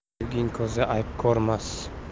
sevgining ko'zi ayb ko'rmas